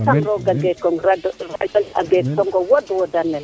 yaasam roga gekong a geeg tong o wod o woda nel